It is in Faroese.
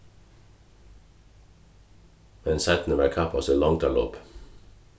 men seinni varð kappast í longdarlopi